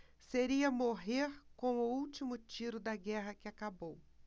seria morrer com o último tiro da guerra que acabou